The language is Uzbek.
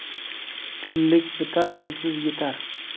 pullik bitar pulsiz yitar